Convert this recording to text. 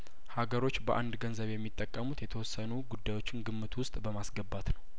ሀገሮች በአንድ ገንዘብ የሚጠቀሙት የተወሰኑ ጉዳዮችን ግምት ውስጥ በማስገባት ነው